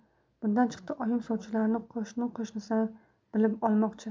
bundan chiqdi oyim sovchilarni qo'ni qo'shnisidan bilib olmoqchi